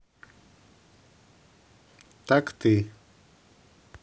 так ты